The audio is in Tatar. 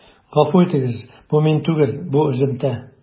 Гафу итегез, бу мин түгел, бу өземтә.